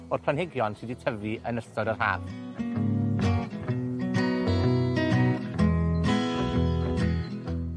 o'r planhigion sy 'di tyfu yn ystod yr haf.